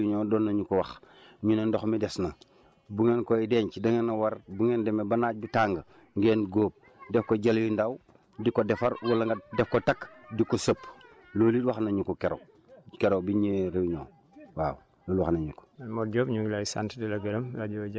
waaw loolu itam keroog bi ñiy réunion doon nañu ko wax ñu ne ndox mi des na bu ngeen koy denc dangeen a war bu ngeen demee ba naaj bi tàng ngeen góob def ko jal yu ndaw di ko defar wala nga def ko takk di ko sëpp loolu it wax nañ ñu ko keroog keroog biñ ñëwee réunion waaw loolu wax nañ ñu ko